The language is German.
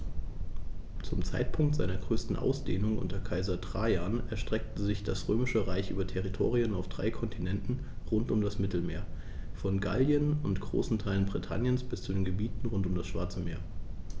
Zum Zeitpunkt seiner größten Ausdehnung unter Kaiser Trajan erstreckte sich das Römische Reich über Territorien auf drei Kontinenten rund um das Mittelmeer: Von Gallien und großen Teilen Britanniens bis zu den Gebieten rund um das Schwarze Meer.